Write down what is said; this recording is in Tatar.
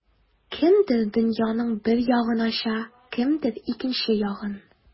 Кемдер дөньяның бер ягын ача, кемдер икенче ягын.